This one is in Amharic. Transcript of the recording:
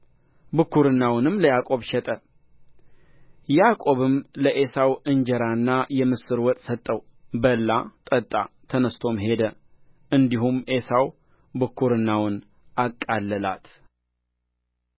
ብኵርናውንም ለያዕቆብ ሸጠ ያዕቆብም ለዔሳው እንጀራና የምስር ወጥ ሰጠው በላ ጠጣ ተነሥቶም ሄደ እንዲሁም ዔሳው ብኵርናውን አቃለላት